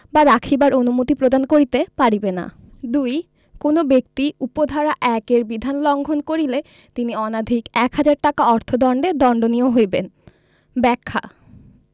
বা রাখিবার অনুমতি প্রদান করিতে পারিবে না ২ কোন ব্যক্তি উপ ধারা ১ এর বিধান লংঘন করিলে তিনি অনধিক এক হাজার টাকা অর্থ দন্ডে দন্ডনীয় হইবেন ব্যাখ্যা